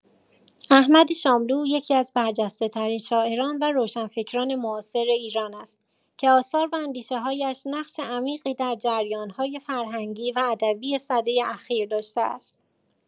احمد شاملو یکی‌از برجسته‌ترین شاعران و روشنفکران معاصر ایران است که آثار و اندیشه‌هایش نقش عمیقی در جریان‌های فرهنگی و ادبی سده اخیر داشته است.